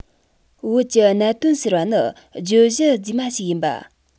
བོད ཀྱི གནད དོན ཟེར བ ནི བརྗོད གཞི རྫུས མ ཞིག ཡིན པ